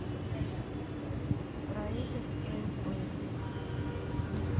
строительство избы